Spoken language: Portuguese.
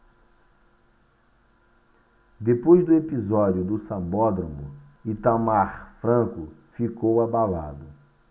depois do episódio do sambódromo itamar franco ficou abalado